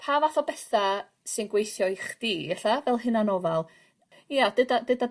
pa fath o betha' sy'n gweithio i chdi ella fel hunan ofal ia deda deda